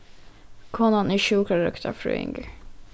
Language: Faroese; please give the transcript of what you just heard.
konan er sjúkrarøktarfrøðingur